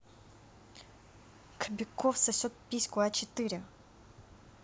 кобяков сосет письку а четыре